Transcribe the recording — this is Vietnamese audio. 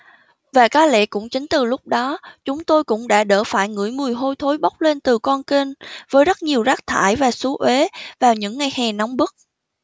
và có lẽ cũng chính từ lúc đó chúng tôi cũng đã đỡ phải ngửi mùi hôi thối bốc lên từ con kênh với rất nhiều rác thải và xú uế vào những ngày hè nóng bức